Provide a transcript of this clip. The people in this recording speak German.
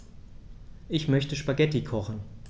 Ich möchte Spaghetti kochen.